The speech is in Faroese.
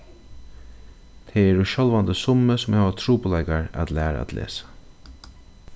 tað eru sjálvandi summi sum hava trupulleikar at læra at lesa